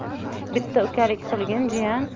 bitta ukalik qilgin jiyan